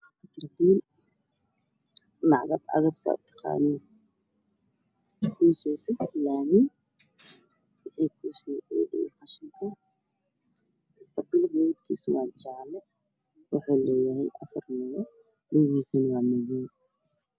Nin waddada marayo oo wata gaari ga wuxuu leeyahay labo midab caddaan iyo madow na socdaa gaari